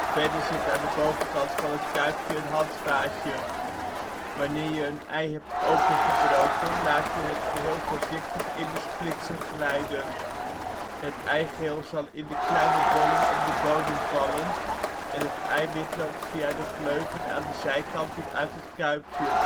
Verder zit aan de bovenkant van het kuipje een handvaatje. Wanneer je een ei hebt opengebroken, laat je het geheel voorzichtig in de splitser glijden. Het eigeel zal in de kleine bolling op de bodem vallen en het eiwit loopt via de gleuven aan de zijkanten uit het kuipje